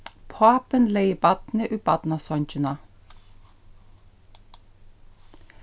pápin legði barnið í barnasongina